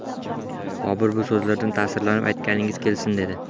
bobur bu so'zlardan tasirlanib aytganingiz kelsin dedi